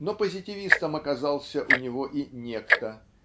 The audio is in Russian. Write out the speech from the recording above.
но позитивистом оказался у него и Некто